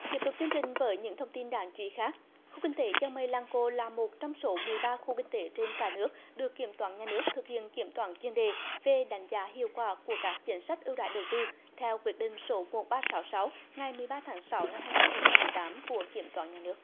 tiếp tục chương trình với những thông tin đáng chú ý khác khu kinh tế chân mây lăng cô là một trong số mười ba khu kinh tế trên cả nước được kiểm toán nhà nước thực hiện kiểm toán chuyên đề về đánh giá hiệu quả của các chính sách ưu đãi đầu tư theo quyết định số một ba sáu sáu ngày mười ba tháng sáu năm hai ngàn không trăm mười tám của kiểm toán nhà nước